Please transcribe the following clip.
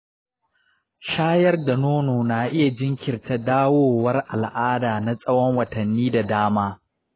shayar da nono na iya jinkirta dawowar al'ada na tsawon watanni da dama.